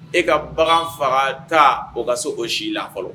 E ka bagan faga ta o ka so o si la fɔlɔ